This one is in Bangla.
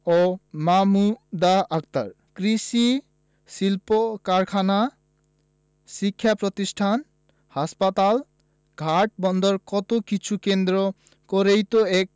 ও মাহমুদা আক্তার কৃষি শিল্পকারখানা শিক্ষাপ্রতিষ্ঠান হাসপাতাল ঘাট বন্দর কত কিছু কেন্দ্র করেই তো এক